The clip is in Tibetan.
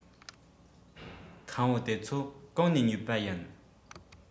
ཁམ བུ དེ ཚོ གང ནས ཉོས པ ཡིན